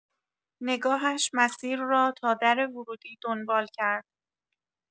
نگاهش مسیر را تا در ورودی دنبال کرد.